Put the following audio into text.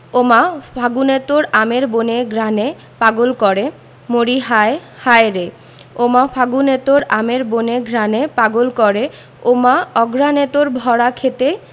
ওমা ফাগুনে তোর আমের বনে ঘ্রাণে পাগল করে মরিহায় হায়রে ওমা ফাগুনে তোর আমের বনে ঘ্রাণে পাগল করে ওমা অঘ্রানে তোর ভরা ক্ষেতে